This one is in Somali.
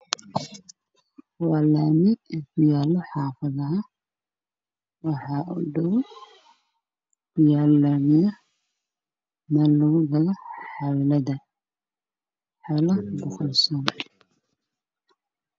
Waa laami midabkoodu yahay madow tukaan ayaa ku yaalla